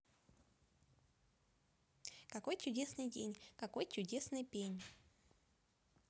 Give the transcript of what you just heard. какой чудесный день какой чудесный пень